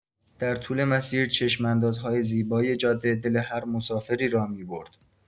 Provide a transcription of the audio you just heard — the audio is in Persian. در طول مسیر، چشم‌اندازهای زیبای جاده، دل هر مسافری را می‌برد.